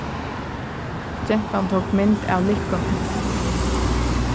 gentan tók mynd av likkuni